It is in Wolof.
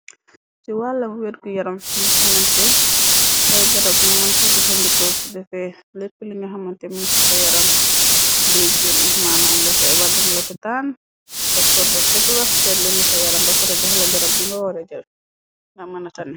ci wàlla wergu yaram nga xamante ay garab nga mën ko jëfandikoo su defee lepp li nga xamante mung ci sa yaram dey geen maana am nga fay bar dem lopitaan doktor bachekla seed lenu sa yaram ba ba pare joxla garab bi ngoore jël nga mëna tane.